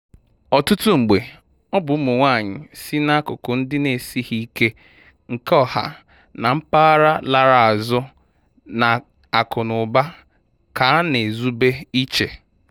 Ọtụtụ mgbe, ọ bụ ụmụ nwaanyị si n'akụkụ ndị na-esighị ike nke ọha na mpaghara lara azụ na akụ na ụba ka a na-ezube iche.